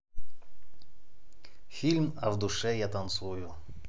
фильм а в душе я танцую